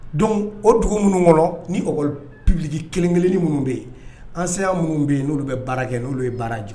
Donc o dugu minnu kɔnɔ ni école publique kelen- keleni minnu be ye enseignants minnu be ye n'olu bɛ baara kɛ n'olu ye baara jɔ